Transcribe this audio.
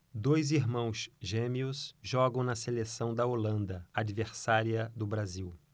dois irmãos gêmeos jogam na seleção da holanda adversária do brasil